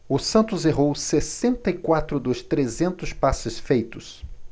o santos errou sessenta e quatro dos trezentos passes feitos